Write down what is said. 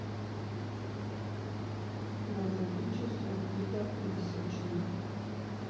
назови число пи до тысячных